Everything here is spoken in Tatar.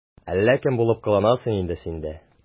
Әллә кем булып кыланасың инде син дә...